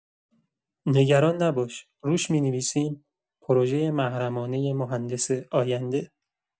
نگران نباش، روش می‌نویسم «پروژه محرمانه مهندس آینده».